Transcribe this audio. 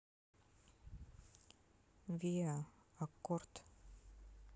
виа аккорд